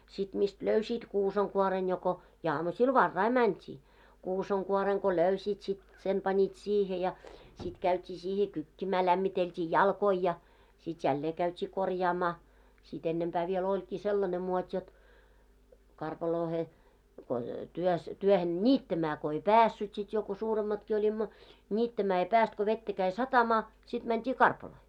sitten mistä löysit kuusenkuoren joko ja aamusilla varhain mentiin kusenkuoren kun löysit sitten sen panit siihen ja sitten käytiin siihen kykkimään lämmiteltiin jalkoja ja sitten jälleen käytiin korjaamaan sitten ennempää vielä olikin sellainen muoti jotta karpaloon kun työssä työhön niittämään kun ei päässyt sitten jo kun suuremmatkin olimme niittämään ei päässyt kun vettä kävi satamaan sitten mentiin karpaloon